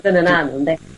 Dyna 'na nw ynde?